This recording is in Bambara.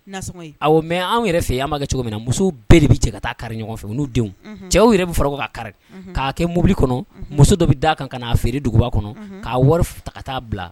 A mɛ anw yɛrɛ fɛ' kɛ cogo min na muso bɛɛ de bɛ cɛ ka taa kari ɲɔgɔn fɛ n' denw cɛw yɛrɛ bɛ ka kari k'a kɛ mobili kɔnɔ muso dɔ bɛ d' kan feere duguba kɔnɔ k'a wari ka taa bila